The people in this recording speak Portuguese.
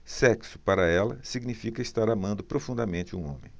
sexo para ela significa estar amando profundamente um homem